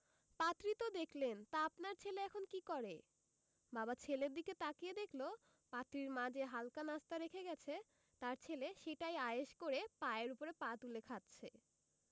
পাত্রী তো দেখলেন তা আপনার ছেলে এখন কী করে বাবা ছেলের দিকে তাকিয়ে দেখল পাত্রীর মা যে হালকা নাশতা রেখে গেছে তার ছেলে সেটাই আয়েশ করে পায়ের ওপর পা তুলে খাচ্ছে